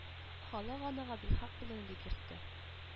Халык аны габделхак болыны дип йөртте